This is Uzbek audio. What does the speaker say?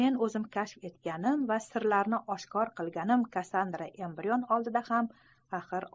men o'zim kashf etganim va sirni oshkor qilganim kassandra embrion oldida ham axir